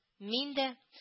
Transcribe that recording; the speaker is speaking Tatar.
— мин дә